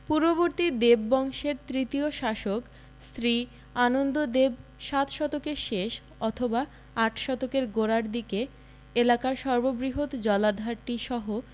পূর্ববর্তী দেববংশের তৃতীয় শাসক শ্রী আনন্দদেব সাত শতকের শেষ অথবা আট শতকের গোড়ার দিকে এলাকার সর্ববৃহৎ জলাধারটিসহ